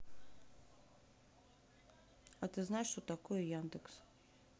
а ты знаешь что такое яндекс